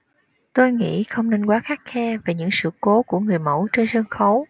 tôi nghĩ không nên quá khắt khe về những sự cố của người mẫu trên sân khấu